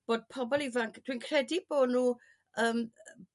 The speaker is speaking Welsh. Bod pobol ifanc... dwi'n credu bo' nhw yrm